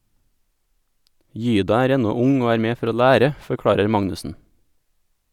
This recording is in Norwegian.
- Gyda er ennå ung og er med for å lære, forklarer Magnussen.